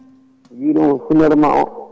mi wiinoma funere ma